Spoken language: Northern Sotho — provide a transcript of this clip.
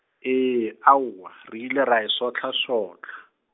ee aowa, re ile ra e sohlosohla.